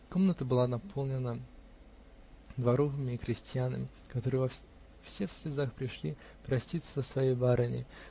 Комната была наполнена дворовыми и крестьянами, которые, все в слезах, пришли проститься с своей барыней.